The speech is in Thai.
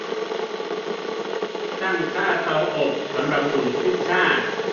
ตั้งค่าเตาอบสำหรับอุ่นพิซซ่า